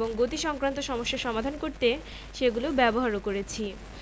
প্রভাব বিশ্লেষণ করতে পারব নিউটনের গতির দ্বিতীয় সূত্র ব্যবহার করে বল পরিমাপ করতে পারব নিউটনের গতির তৃতীয় সূত্র ব্যবহার করে ক্রিয়া ও প্রতিক্রিয়া বল ব্যাখ্যা করতে পারব